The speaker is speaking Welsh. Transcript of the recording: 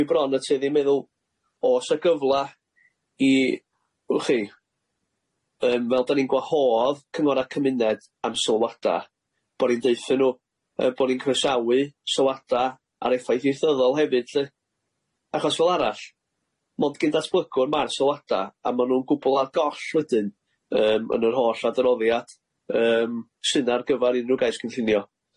Fi bron a tuedd i'n meddwl o sa gyfla i wch chi yym fel dan ni'n gwahodd cyngor a cymuned am sylwada bo' ni'n deutho n'w yy bo' ni'n croesawu sylwada ar effaith ieithyddol hefyd lly, achos fel arall mond gin datblygwr ma'r sylwada a ma' nw'n gwbwl ar goll wedyn yym yn yr holl adenoddiad yym sy'n ar gyfar unrhyw gais cynllunio.